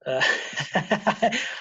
y